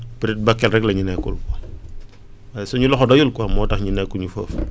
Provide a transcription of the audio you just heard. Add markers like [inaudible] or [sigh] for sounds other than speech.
peut être Bakel rek la ñu nekkul quoi [noise] [hesitation] suñu loxo doyul quoi moo tax ñu nekkuñu foofu